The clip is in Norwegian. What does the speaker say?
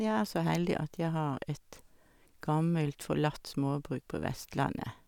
Jeg er så heldig at jeg har et gammelt, forlatt småbruk på Vestlandet.